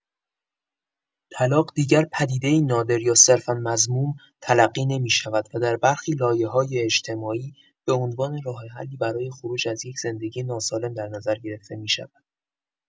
طلاق دیگر پدیده‌ای نادر یا صرفا مذموم تلقی نمی‌شود و در برخی لایه‌های اجتماعی به‌عنوان راه‌حلی برای خروج از یک زندگی ناسالم در نظر گرفته می‌شود.